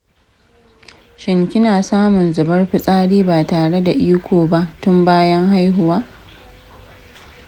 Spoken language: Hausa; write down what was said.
shin kin samun zubar fitsari ba tare da iko ba tun bayan haihuwa?